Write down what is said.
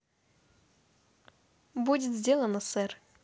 будет сделано сэр